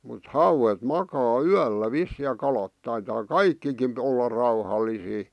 mutta hauet makaa yöllä vissiin ja kalat taitaa kaikkikin olla rauhallisia